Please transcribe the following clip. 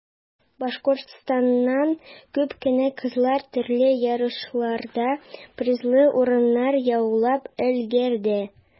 Башкортстаннан күп кенә кызлар төрле ярышларда призлы урыннар яулап өлгерде.